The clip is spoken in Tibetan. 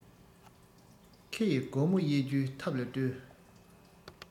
ཁེ ཡི སྒོ མོ དབྱེ རྒྱུའི ཐབས ལ ལྟོས